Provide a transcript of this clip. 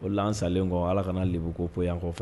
O salen kɔ ala kana le ko fɔ yan kɔ